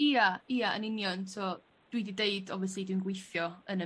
Ia ia yn union so dw i 'di deud obviously dwi'n gweithio yn y